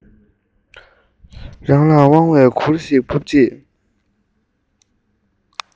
ལུང མང པོ བརྒྱབ ནས མི མེད པའི རི བོ འདི འདྲ ཞིག